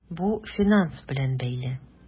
Бу финанс белән бәйле.